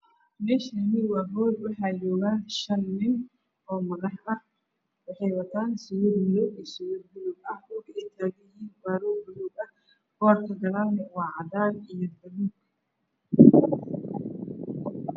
Meshani waa howl waxaa jogah shan nin oo madax ah waxay watan sudad madow iyo sudad balug ah boorkana gadalna waa cadan iyo gaduud